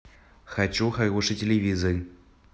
хочу хороший телевизор